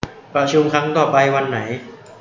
ประชุมครั้งต่อไปวันไหน